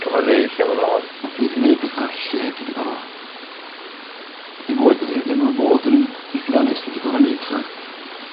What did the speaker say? Cymaru lle ma' n'w yn. Wel dwi 'di gwneud petha lle ydw i 'di gor'o' i fod y- er mwyn bod yn mwy llwyddiannus dwi 'di gor'o' neud petha